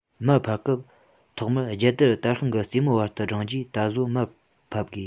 མར ཕབ སྐབས ཐོག མར རྒྱལ དར དར ཤིང གི རྩེ མོའི བར དུ བསྒྲེངས རྗེས ད གཟོད མར ཕབ དགོས